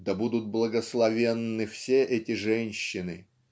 да будут благословенны все эти женщины!